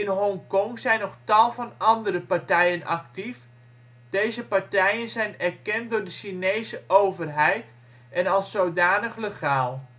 Hongkong zijn nog tal van andere partijen actief. Deze partijen zijn erkend door de Chinese overheid en als zodanig legaal